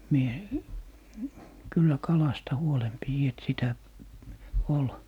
minä kyllä kalasta huolen pidin että sitä oli